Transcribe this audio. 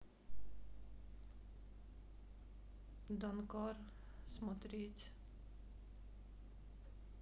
данкар смотреть